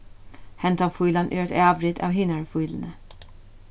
hendan fílan er eitt avrit av hinari fíluni